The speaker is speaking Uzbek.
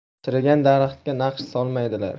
chirigan daraxtga naqsh solmaydlar